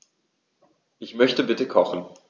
Ich möchte bitte kochen.